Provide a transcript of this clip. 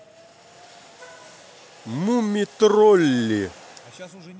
муми тролли